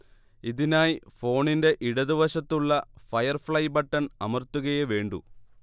ഇതിനായി ഫോണിന്റെ ഇടതുവശത്തുള്ള ഫയർഫ്ളൈ ബട്ടൺ അമർത്തുകയേ വേണ്ടൂ